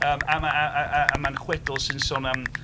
Yym a ma'... a- a- a mae'n chwedl sy'n sôn am...